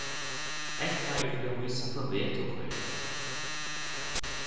hetta er fyri at vísa hvønn veg tú koyrir